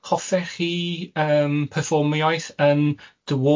Hoffech chi yym pyfformiaeth yn dy ward chi?